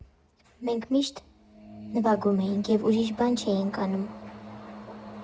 «Մենք միշտ նվագում էինք և ուրիշ բան չէինք անում»